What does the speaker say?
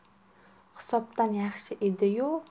hisobdan yaxshi edi yu